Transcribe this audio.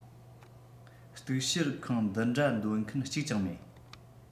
གཏུག བཤེར ཁང འདི འདྲ འདོད མཁན གཅིག ཀྱང མེད